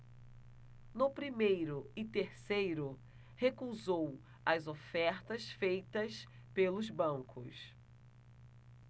no primeiro e terceiro recusou as ofertas feitas pelos bancos